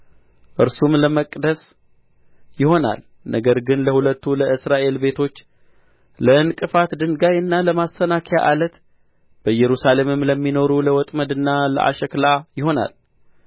እርሱም ለመቅደስ ይሆናል ነገር ግን ለሁለቱ ለእስራኤል ቤቶች ለዕንቅፋት ድንጋይና ለማሰናከያ ዓለት በኢየሩሳሌምም ለሚኖሩ ለወጥመድና ለአሽክላ ይሆናል